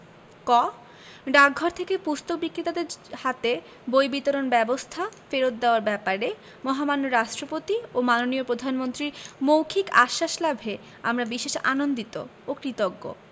ক ডাকঘর থেকে পুস্তক বিক্রেতাদের হাতে বই বিতরণ ব্যবস্থা ফেরত দেওয়ার ব্যাপারে মহামান্য রাষ্ট্রপতি ও মাননীয় প্রধানমন্ত্রীর মৌখিক আশ্বাস লাভে আমরা বিশেষ আনন্দিত ও কৃতজ্ঞ